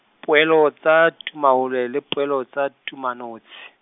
poelo, tsa Tumahole le poelo tsa tumanotshi.